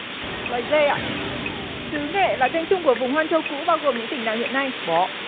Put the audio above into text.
loài dê ạ xứ nghệ là tên chung của vùng hoan châu cũ bao gồm những tỉnh nào hiện nay